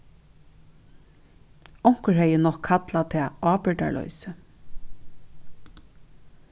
onkur hevði nokk kallað tað ábyrgdarloysi